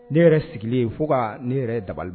Ne yɛrɛ sigilen fo ka ne yɛrɛ dabali